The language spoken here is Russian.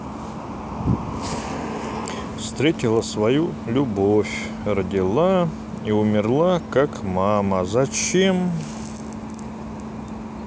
встретила свою любовь родила и умерла как мама зачем